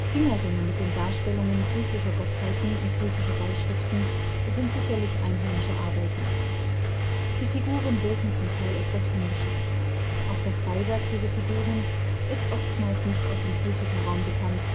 Fingerringe mit den Darstellungen griechischer Gottheiten und griechischer Beischriften sind sicherlich einheimische Arbeiten. Die Figuren wirken zum Teil etwas ungeschickt. Auch das Beiwerk dieser Figuren ist oftmals nicht aus dem griechischen Raum bekannt,